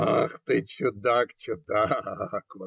Ах ты, чудак, чудак!